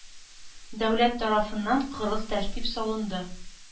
Дәүләт тарафыннан кырыс тәртип салынды.